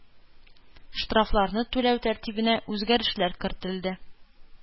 Штрафларны түләү тәртибенә үзгәрешләр кертелде.